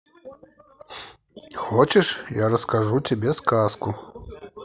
хочешь я расскажу тебе сказку